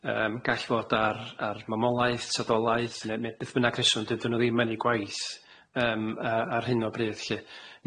Yym gall fod ar ar momolaeth, saddolaeth ne' ne' beth bynnag reswm dydyn nw ddim yn eu gwaith yym yy ar hyn o bryd lly,